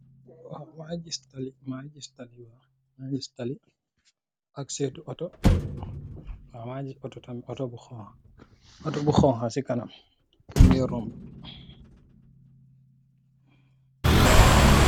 Maa ngi gis tali, waaw, maa ngi gis tali, ak seetu moto. Waaw, maa ngi gis Otto tam, Otto bu xoñxa, mungee roombu.